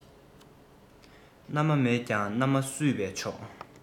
མནའ མ མེད ཀྱང མནའ མ བསུས པས ཆོག